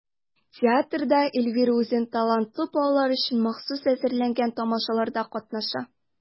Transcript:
Театрда Эльвира үзен талантлы балалар өчен махсус әзерләнгән тамашаларда катнаша.